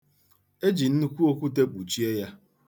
E ji nnukwu okwute kpuchie ya.